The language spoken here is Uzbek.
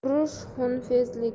urush xunrezlik